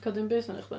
Codi un bys arna chdi.